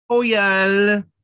Hwyl!